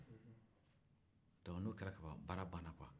donc n'o kɛra ka ban baara bannen kɔ